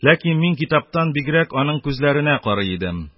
Ләкин мин, китаптан бигрәк, аның күзләренә карый идем.